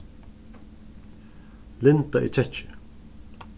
linda er kekki